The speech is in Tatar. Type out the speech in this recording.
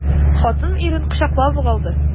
Хатын ирен кочаклап ук алды.